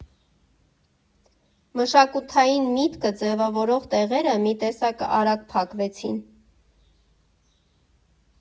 Մշակութային միտքը ձևավորող տեղերը մի տեսակ արագ փակվեցին։